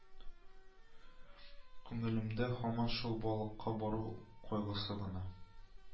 Күңелемдә һаман шул балыкка бару кайгысы гына